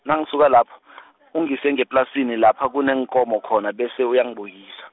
nangisuka lapho , ungise ngeplasini lapha kuneenkomo khona bese uyangibuyisa.